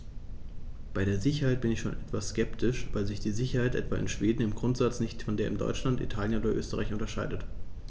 Bei der Sicherheit bin ich schon etwas skeptisch, weil sich die Sicherheit etwa in Schweden im Grundsatz nicht von der in Deutschland, Italien oder Österreich unterscheidet.